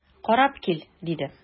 Карап кил,– диде.